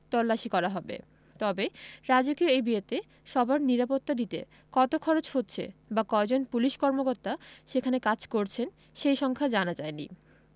তল্লাশি করা হবে তবে রাজকীয় এই বিয়েতে সবার নিরাপত্তা দিতে কত খরচ হচ্ছে বা কয়জন পুলিশ কর্মকর্তা সেখানে কাজ করছেন সেই সংখ্যা জানা যায়নি